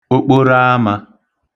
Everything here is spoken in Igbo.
okporaamā